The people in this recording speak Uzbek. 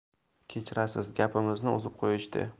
kechirasiz gapimizni uzib qo'yishdi